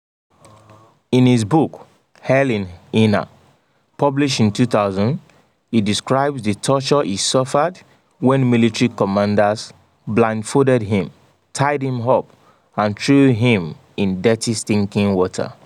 In his book “Hell in Inal“, published in 2000, he describes the torture he suffered, when military commanders blindfolded him, tied him up, and threw him in dirty, stinking water.